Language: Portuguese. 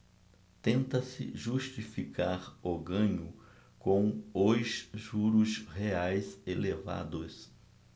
tenta-se justificar o ganho com os juros reais elevados